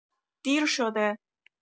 دیر شده